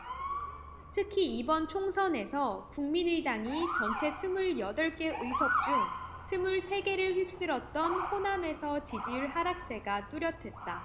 특히 이번 총선에서 국민의당이 전체 스물 여덟 개 의석 중 스물 세 개를 휩쓸었던 호남에서 지지율 하락세가 뚜렷했다